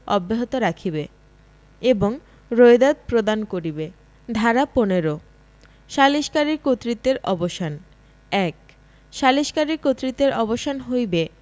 অব্যাহত রাখিবে এবং রোয়েদাদ প্রদান করিবে ধারা ১৫ সালিসকারীর কর্তৃত্বের অবসানঃ ১ সালিসকারীর কর্তৃত্বের অবসান হইবে